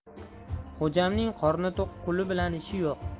xo'jamning qorni to'q quli bilan ishi yo'q